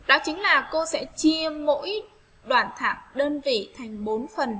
đó chính là cô sẽ chia mỗi đoạn thẳng đơn vị thành phần